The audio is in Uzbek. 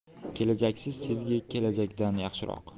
kelajaksiz sevgi kelajakdan yaxshiroq